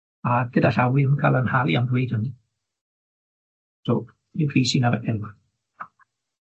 siŵr, a gyda llaw wi 'im yn ca'l 'yn nhalu am ddweud hynny, so .